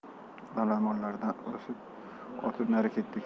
odamlar mollar orasidan o'tib nari ketdik